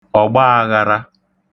ọ̀gbaāghārā